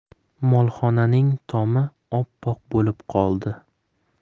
molxonaning tomi oppoq bo'lib qoldi